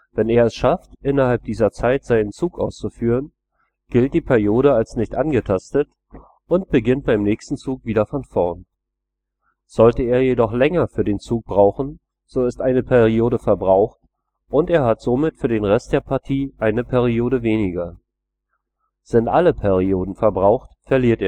Wenn er es schafft, innerhalb dieser Zeit seinen Zug auszuführen, gilt die Periode als nicht angetastet und beginnt beim nächsten Zug wieder von vorn. Sollte er jedoch länger für den Zug brauchen, so ist eine Periode verbraucht, und er hat somit für den Rest der Partie eine Periode weniger. Sind alle Perioden verbraucht, verliert